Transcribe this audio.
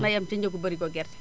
na yem ci njëgu barigo gerte